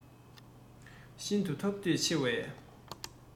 ཤིན ཏུ ཐོབ འདོད ཆེ བས